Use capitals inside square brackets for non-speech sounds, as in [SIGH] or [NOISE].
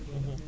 [HESITATION]